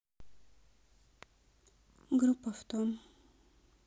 груп авто